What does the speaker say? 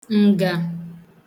ǹgà